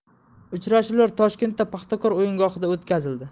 uchrashuvlar toshkentda paxtakor o'yingohida o'tkazildi